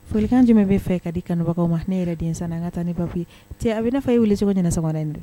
Folikan jumɛn b'e fɛ ka di kanubagaw ma? ne yɛrɛ densani an ka taa ni babu ye, cɛ a b'i na fɔ e wili cogo ɲɛna sɔgɔma da in dɛ?